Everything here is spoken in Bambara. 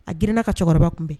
A grinna ka cɛkɔrɔba kunbɛn